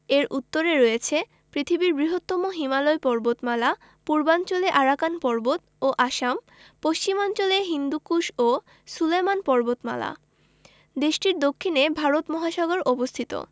এর উত্তরে রয়েছে পৃথিবীর বৃহত্তম হিমালয় পর্বতমালা পূর্বাঞ্চলে আরাকান পর্বত ও আসাম পশ্চিমাঞ্চলে হিন্দুকুশ ও সুলেমান পর্বতমালা দেশটির দক্ষিণে ভারত মহাসাগর অবস্থিত